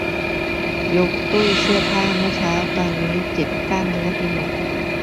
ยกตู้เสื้อผ้าเมื่อเช้าตอนนี้เจ็บกล้ามเนื้อไปหมด